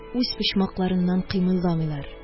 Үз почмакларыннан кыймылдамыйлар.